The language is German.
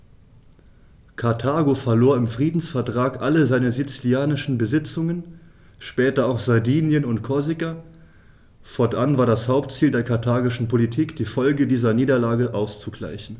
Karthago verlor im Friedensvertrag alle seine sizilischen Besitzungen (später auch Sardinien und Korsika); fortan war es das Hauptziel der karthagischen Politik, die Folgen dieser Niederlage auszugleichen.